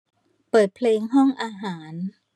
เปิดเพลงห้องอาหาร